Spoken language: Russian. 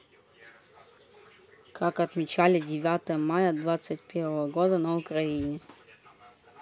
как отмечали девятое мая двадцать первого года на украине